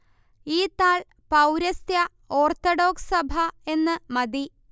ഈ താൾ പൗരസ്ത്യ ഓർത്തഡോക്സ് സഭ എന്ന് മതി